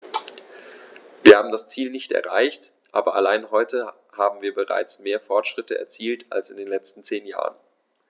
Wir haben das Ziel nicht erreicht, aber allein heute haben wir bereits mehr Fortschritte erzielt als in den letzten zehn Jahren.